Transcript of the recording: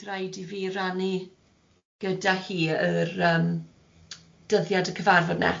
bydd rhaid i fi rannu gyda hi yr yym dyddiad y cyfarfod nesaf